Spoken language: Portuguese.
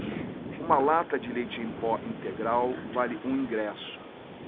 uma lata de leite em pó integral vale um ingresso